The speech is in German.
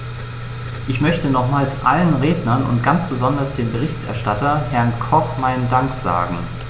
Ich möchte nochmals allen Rednern und ganz besonders dem Berichterstatter, Herrn Koch, meinen Dank sagen.